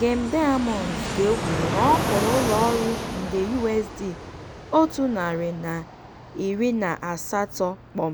Gem Diamonds ka e kwuru na ọ kwụrụ ụlọ ọrụ nde USD118.5